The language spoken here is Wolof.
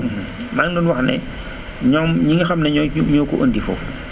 maa ngi doon wax ne ñoom ñi nga xam ne ñooy ñoo ko indi foofu